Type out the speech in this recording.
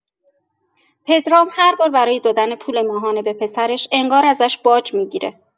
پدرام هر بار برای دادن پول ماهانه به پسرش، انگار ازش باج می‌گیره.